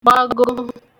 gbago